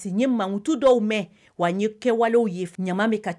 Ti n ye mankutu dɔw mɛn, wa n ye kɛwalew ye ɲama bɛ ka